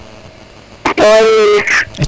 *